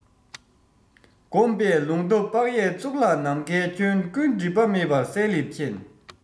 བསྒོམ པས ལུང རྟོགས དཔག ཡས གཙུག ལག ནམ མཁའི ཁྱོན ཀུན སྒྲིབ པ མེད པར གསལ ལེར མཁྱེན